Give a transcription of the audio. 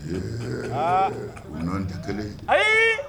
Ee u nɔn tɛ kelen ayi